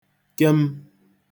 kem